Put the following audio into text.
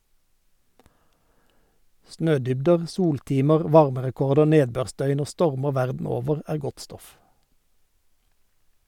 Snødybder, soltimer, varmerekorder, nedbørsdøgn og stormer verden over er godt stoff.